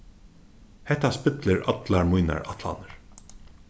hetta spillir allar mínar ætlanir